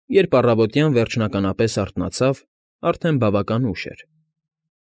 Երբ առավոտյան վերջնականապես արթանցավ, արդեն բավական ուշ էր։